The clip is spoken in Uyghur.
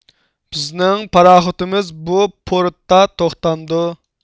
بىزنىڭ پاراخوتىمىز بۇ پورتتا توختامدۇ